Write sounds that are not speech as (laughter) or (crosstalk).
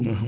(hesitation) (hesitation)